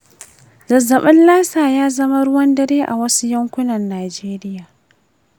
zazzafin lassa ya zama ruwan dare a wasu yankunan nijeriya.